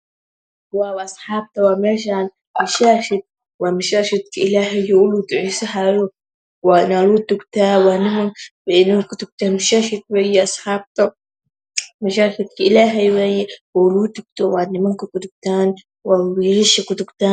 Waw asxapta meshan waa masaajid ilahay waane lagu tugtaa mishajidka ilahay waaye nimanka kutugtan